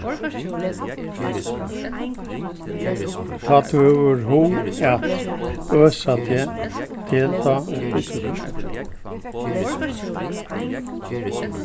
tá tú hevur hug at øsa teg tel tá upp í tíggju